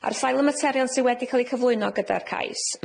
Ar sail y materion sy wedi ca'l 'i cyflwyno gyda'r cais,